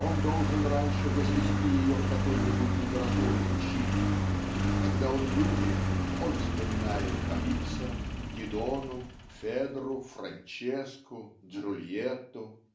он должен раньше возвести ее в какой-нибудь литературный чин. Когда он любит он вспоминает Калипсо Дидону Федру Франческу Джульетту.